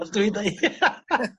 ...os dwi'n deu'.